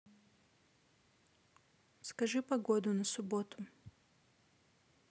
скажи погоду на субботу